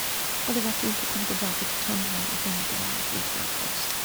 Og det var fint å komme tilbake til Trondheim og finne at det var fint vær her også.